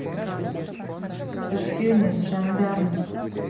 у фюнес жандармы